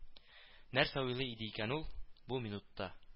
Нәрсә уйлый иде икән ул бу- минутта